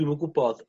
dwi'm yn gwbod.